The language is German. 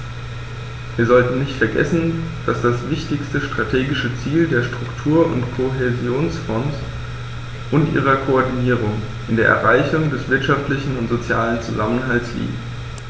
Wir sollten nicht vergessen, dass das wichtigste strategische Ziel der Struktur- und Kohäsionsfonds und ihrer Koordinierung in der Erreichung des wirtschaftlichen und sozialen Zusammenhalts liegt.